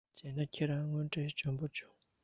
བྱས ན ཁྱེད རང དངོས འབྲེལ འཇོན པོ བྱུང